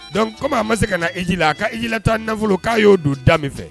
Donc comme a man se ka na heji la a ka heji taa nafolo k'a y'o don da minfɛ